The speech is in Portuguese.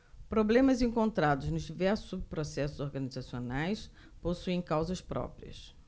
problemas encontrados nos diversos subprocessos organizacionais possuem causas próprias